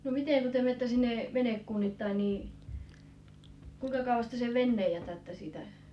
no miten kun te menette sinne venekunnittain niin kuinka kauas te sen veneen jätätte siitä